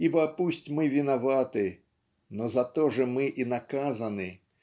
Ибо пусть мы виноваты, но зато же мы и наказаны